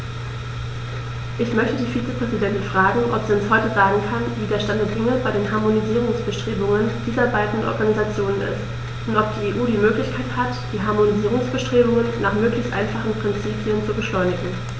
Ich möchte die Vizepräsidentin fragen, ob sie uns heute sagen kann, wie der Stand der Dinge bei den Harmonisierungsbestrebungen dieser beiden Organisationen ist, und ob die EU die Möglichkeit hat, die Harmonisierungsbestrebungen nach möglichst einfachen Prinzipien zu beschleunigen.